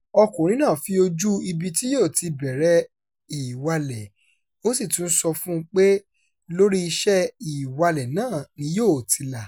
Ọkùnrin náà fi ojú ibi tí yóò ti bẹ̀rẹ̀ ìwalẹ̀, ó sì tún sọ fún un pé lórí iṣẹ́ ìwalẹ̀ náà ni yóò ti là.